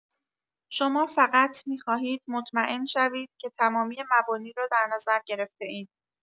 شما فقط می‌خواهید مطمئن شوید که تمامی مبانی را در نظر گرفته‌اید.